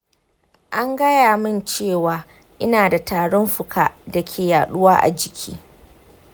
an gaya min cewa ina da tarin fuka da ke yaduwa a jiki .